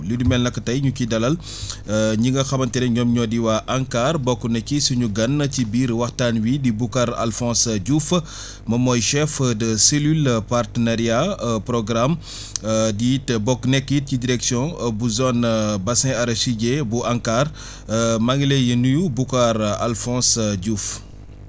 lu ni mel nag tey ñu ciy dalal ñi nga xamante ne ñoom ñoo di waa ANCAR bokk na ci suñu gan ci biir waxtaan wi di Boucar Alphonse Diouf moom mooy chef de cellule partenariat programme di it bokk nekk it ci direction bu zone bassin arachidier bu ANCAR maa ngi lay nuyu Boucar Alphonse Diouf